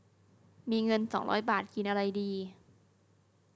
มีเงินสองร้อยบาทกินอะไรดี